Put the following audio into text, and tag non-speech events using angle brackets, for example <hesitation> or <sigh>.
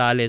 <hesitation> <hesitation>